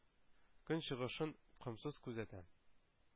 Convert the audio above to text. Көн чыгышын комсыз күзәтәм.